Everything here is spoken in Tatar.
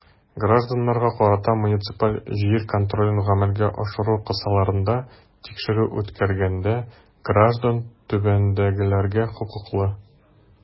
Гражданнарга карата муниципаль җир контролен гамәлгә ашыру кысаларында тикшерү үткәргәндә граждан түбәндәгеләргә хокуклы.